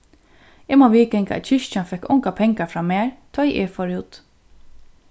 eg má viðganga at kirkjan fekk ongar pengar frá mær tá ið eg fór út